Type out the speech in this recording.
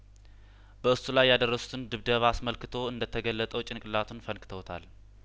በእሱ ላይ ያደረሱትን ድብደባ አስመልክቶ እንደገለጠው ጭንቅ ላቱን ፈንክተውታል